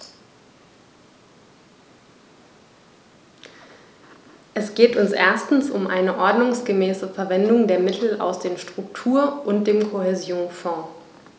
Es geht uns erstens um eine ordnungsgemäße Verwendung der Mittel aus den Struktur- und dem Kohäsionsfonds.